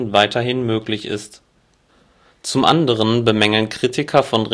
weiterhin möglich ist! Zum anderen bemängeln Kritiker von